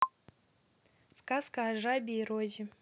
сказка о жабе и розе